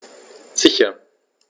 Sicher.